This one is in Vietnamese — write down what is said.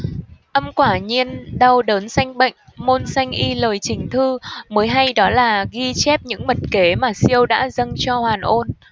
âm quả nhiên đau đớn sanh bệnh môn sanh y lời trình thư mới hay đó là ghi chép những mật kế mà siêu đã dâng cho hoàn ôn